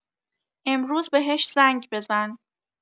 امروز بهش زنگ بزن.